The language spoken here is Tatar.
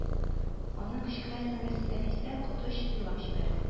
Аның кечкенә сеңлесе Нәфисә коты очып елап җибәрде